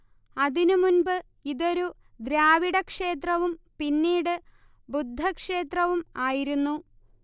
അതിനുമുൻപ് ഇതൊരു ദ്രാവിഡക്ഷേത്രവും പിന്നീട് ബുദ്ധക്ഷേത്രവും ആയിരുന്നു